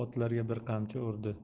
otlarga bir qamchi urdi